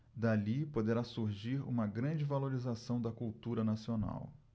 dali poderá surgir uma grande valorização da cultura nacional